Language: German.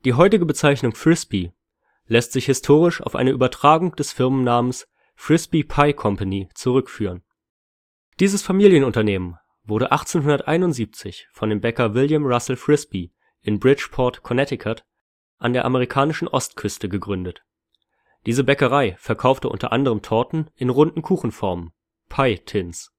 heutige Bezeichnung „ Frisbee “lässt sich historisch auf eine Übertragung des Firmennamens „ Frisbie Pie Company “zurückführen. Dieses Familienunternehmen wurde 1871 von dem Bäcker William Russel Frisbie in Bridgeport (Connecticut) an der amerikanischen Ostküste gegründet. Diese Bäckerei verkaufte unter anderem Torten in runden Kuchenformen (Pie-Tins